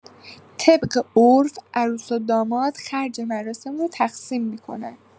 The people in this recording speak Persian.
طبق عرف، عروس و داماد خرج مراسم رو تقسیم می‌کنن.